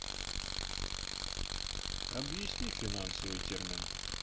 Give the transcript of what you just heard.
объясни финансовый термин